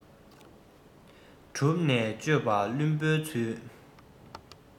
གྲུབ ནས དཔྱོད པ བླུན པོའི ཚུལ